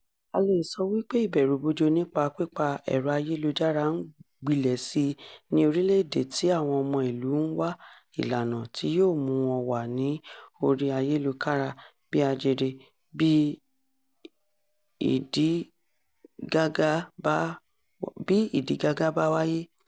A lè sọ wípé ìbẹ̀rùbojo nípa pípa ẹ̀rọ-ayélujára ń gbilẹ̀ sí i ní orílẹ̀-èdè tí àwọn ọmọ-ìlú ń wá ìlànà tí yóò mú wọn wà ní orí ayélukára-bí-ajere bí ìdígàgá bá wáyé.